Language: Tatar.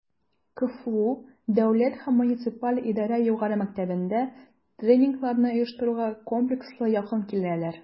КФУ Дәүләт һәм муниципаль идарә югары мәктәбендә тренингларны оештыруга комплекслы якын киләләр: